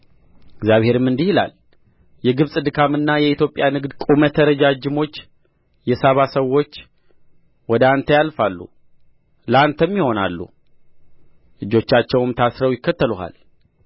እግዚአብሔርም እንዲህ ይላል የግብጽ ድካምና የኢትዮጵያ ንግድ ቁመተ ረጅሞችም የሳባ ሰዎች ወደ አንተ ያልፋሉ ለአንተም ይሆናሉ እጆቻቸውም ታስረው ይከተሉሃል